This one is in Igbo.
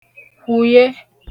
kwụye